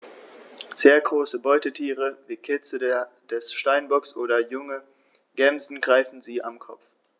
Sehr große Beutetiere wie Kitze des Steinbocks oder junge Gämsen greifen sie am Kopf.